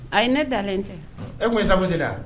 A ye ne dalen tɛ e tun ye sala